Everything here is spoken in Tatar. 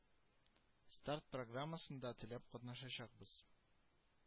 Старт программасында теләп катнашачакбыз